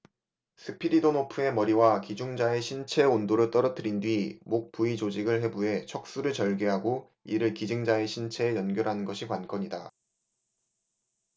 스피리도노프의 머리와 기증자의 신체 온도를 떨어뜨린뒤 목 부위 조직을 해부해 척수를 절개하고 이를 기증자의 신체에 연결하는 것이 관건이다